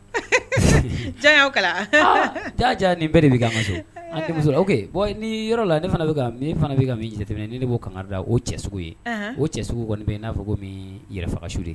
Kalaja ni de yɔrɔ la jateminɛ ni b'o kanka o cɛ ye o cɛ kɔni bɛ n'a fɔ ko min su de ye